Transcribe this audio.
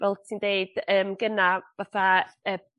fel ti'n deud yym gynna fatha yy...